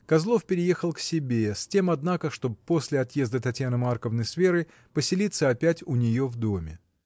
Козлов переехал к себе, с тем, однако, чтоб после отъезда Татьяны Марковны с Верой поселиться опять у нее в доме.